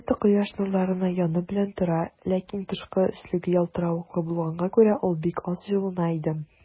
Ракета Кояш нурларына яны белән тора, ләкин тышкы өслеге ялтыравыклы булганга күрә, ул бик аз җылына иде.